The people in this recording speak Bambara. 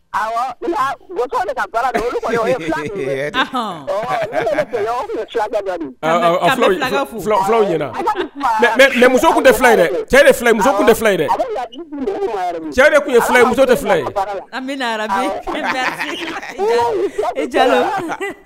Muso cɛ dɛ cɛ de tun muso fila